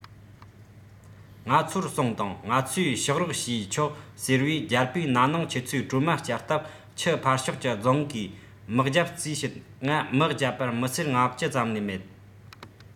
ང ཚོར གསུངས དང ང ཚོས ཕྱག རོགས ཞུས ཆོག ཟེར བར རྒྱལ པོས ན ནིང ཁྱེད ཚོས གྲོ མ བསྐྱལ སྟབས ཆུ ཕར ཕྱོགས ཀྱི རྫོང གིས དམག བརྒྱབ རྩིས བྱེད ང དམག བརྒྱབ པར མི སེར ལྔ བཅུ ཙམ ལས མེད